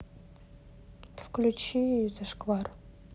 включи зашквар